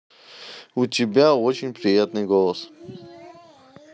у тебя очень приятный голос